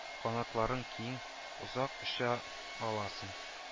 Канатларың киң, озак оча аласың